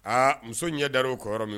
Aa muso ɲɛ dar'o kɔn yɔrɔ min